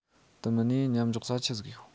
དེ མིན ནས མཉམ འཇོག ས ཆི ཟིག ཡོད